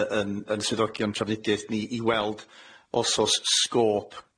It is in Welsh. y- yn yn swyddogion trafnidiaeth ni i weld os o's scope